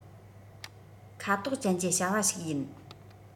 ཁ དོག ཅན གྱི བྱ བ ཞིག ཡིན